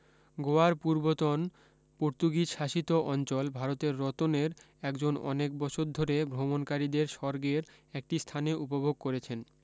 গোয়ার পূর্বতন পর্তুগীজ শাসিত অঞ্চল ভারতের রতনের একজন অনেক বছর ধরে ভ্রমণকারীদের স্বর্গের একটি স্থানে উপভোগ করেছেন